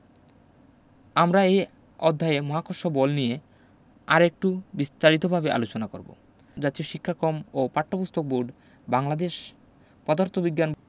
আমরা এ অধ্যায়ে মহাকর্ষ বল নিয়ে আরেকটু বিস্তারিতভাবে আলোচনা করব জাতীয় শিক্ষাকম ওপাঠ্যপুস্তক বোর্ড বাংলাদেশ পদার্থ বিজ্ঞান